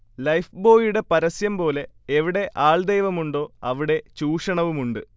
ലൈഫ്ബോയിയുടെ പരസ്യംപോലെ എവിടെ ആൾദൈവമുണ്ടോ അവിടെ ചൂഷണവുമുണ്ട്